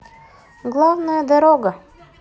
главная дорога